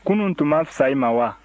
kunun tun man fisa i ma wa